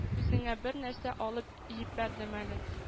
Үзеңә бер нәрсә алып җиппәрдем әле